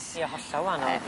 Ie hollol waanol.